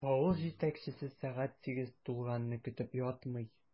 Авыл җитәкчесе сәгать сигез тулганны көтеп ятмый.